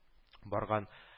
Барган